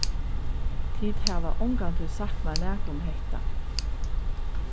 tit hava ongantíð sagt mær nakað um hetta